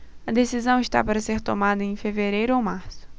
a decisão está para ser tomada em fevereiro ou março